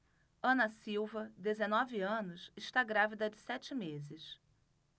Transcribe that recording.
ana silva dezenove anos está grávida de sete meses